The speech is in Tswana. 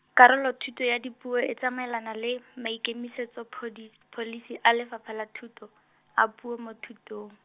Karolothuto ya Dipuo e tsamaelana le, maikemisetsophodis-, pholisi a Lefapha la Thuto, a puo mo thutong.